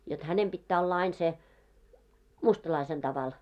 jotta hänen pitää olla aina sen mustalaisen tavalla